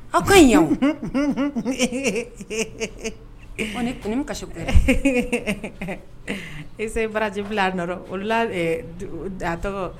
O kaɲi ɲa ɔ ne ni ye mun kasi kura ye e se e baraji bila nɔrɔ olu la l ɛɛ dugu d a tɔgɔ